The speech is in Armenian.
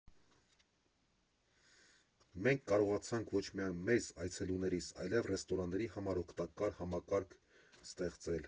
Մենք կարողացանք ոչ միայն մեզ՝ այցելուներիս, այլև ռեստորանների համար օգտակար համակարգ ստեղծել։